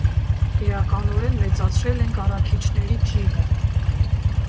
Էականորեն մեծացրել ենք առաքիչների թիվը։